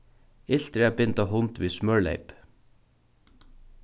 ilt er at binda hund við smørleyp